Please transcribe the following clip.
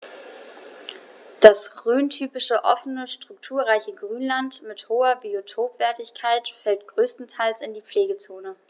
Das rhöntypische offene, strukturreiche Grünland mit hoher Biotopwertigkeit fällt größtenteils in die Pflegezone.